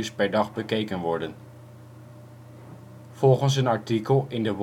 per dag bekeken worden. Volgens een artikel in de